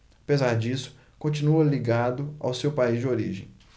apesar disso continua ligado ao seu país de origem